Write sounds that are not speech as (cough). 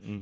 (hesitation) (hesitation)